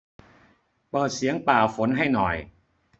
เปิดเสียงป่าฝนให้หน่อย